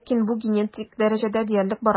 Ләкин бу генетик дәрәҗәдә диярлек бара.